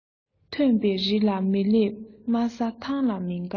མཐོན པོའི རི ལ མ སླེབས དམའ ས ཐང ལ མི དགའ